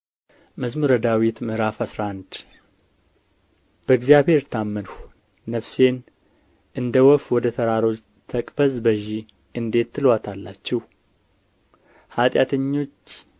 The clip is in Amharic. መዝሙር ምዕራፍ አስራ አንድ በእግዚአብሔር ታመንሁ ነፍሴን እንደ ወፍ ወደ ተራሮች ተቅበዝበዢ እንዴት ትሉአታላችሁ ኃጢአተኞች